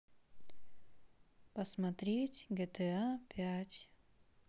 посмотреть гта пять